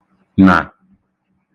nà